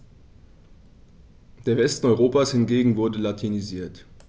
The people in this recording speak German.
Der Westen Europas hingegen wurde latinisiert.